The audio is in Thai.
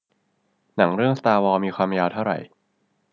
หนังเรื่องสตาร์วอร์มีความยาวเท่าไหร่